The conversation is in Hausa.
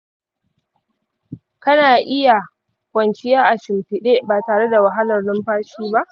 kana iya kwanciya a shimfiɗe ba tare da wahalar numfashi ba?